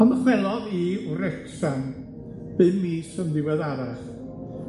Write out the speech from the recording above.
Pan ddychwelodd i Wrecsam bum mis yn ddiweddarach,